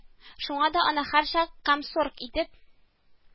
Шуңа да аны һәрчак комсорг итеп